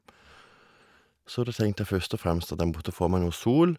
Så da tenkte jeg først og fremst at jeg måtte få meg noe sol.